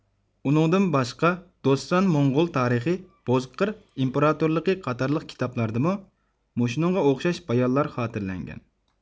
ئۇنىڭدىن باشقا دوسسان موڭغۇل تارىخى بوزقىر ئىمپېراتورلۇقى قاتارلىق كىتابلاردىمۇ مۇشۇنىڭغا ئوخشاش بايانلار خاتىرىلەنگەن